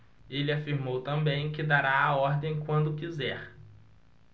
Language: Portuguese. ele afirmou também que dará a ordem quando quiser